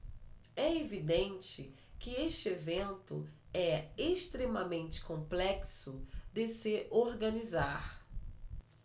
é evidente que este evento é extremamente complexo de se organizar